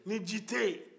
ni ji tɛ yen